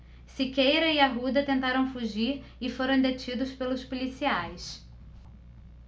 siqueira e arruda tentaram fugir e foram detidos pelos policiais